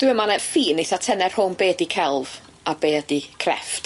Dwi me'wl ma' ne' ffin eitha' tenne rhwng be' ydi celf a be' ydi crefft.